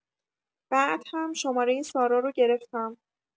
بعد هم شمارۀ سارا رو گرفتم.